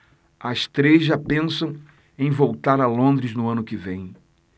as três já pensam em voltar a londres no ano que vem